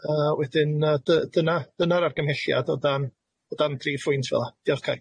Yy wedyn yy dy- dyna dyna'r argymhelliad o dan o dan dri phwynt fel'a.